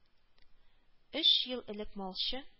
Өч ел элек малчы